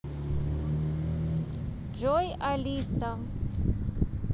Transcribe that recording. джой алиса